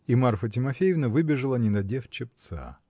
И Марфа Тимофеевна выбежала, не надев чепца.